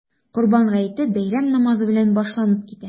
Корбан гаете бәйрәм намазы белән башланып китә.